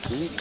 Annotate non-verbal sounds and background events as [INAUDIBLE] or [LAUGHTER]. [HESITATION]